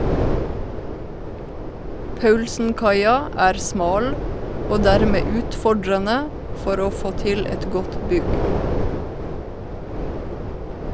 Paulsenkaia er smal og dermed utfordrende for å få til et godt bygg.